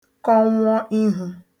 kọnwụ̀ọ ihū